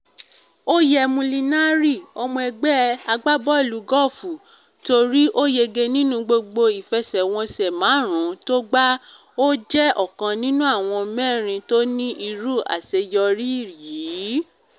Ó yẹ Molinari, ọmọ ẹgbẹ́ agbábọ̀ọ̀lù gọ́ọ̀fù torí ó yege nínú gbogbo ìfẹsèwọnsẹ̀ márùn-ún tó gbá. Ó jẹ́ ọ̀kan nínú àwọn mẹ́rin tó ní irú àṣeyorí yìí.